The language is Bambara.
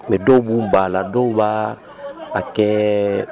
Mɛ dɔw b' b'a la dɔw b' a kɛ